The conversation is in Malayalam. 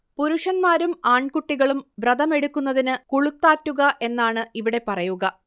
പുരുഷന്മാരും ആൺകുട്ടികളും വ്രതമെടുക്കുന്നതിന് കുളുത്താറ്റുക എന്നാണ് ഇവിടെ പറയുക